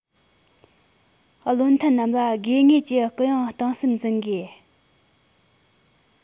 བློ མཐུན རྣམས ལ དགོས ངེས ཀྱི གུ ཡངས གཏོང སེམས འཛིན དགོས